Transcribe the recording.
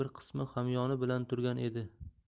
bir qismi hamyoni bilan turgan edi